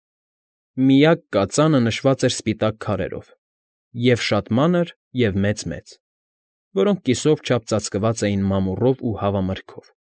Միակ կածանը նշված էր սպիտակ քարերով՝ և՛ շատ մանր, և՛ մեծ֊մեծ, որոնք կիսով չափ ծածկված էին մամուռով ու հավամրգով։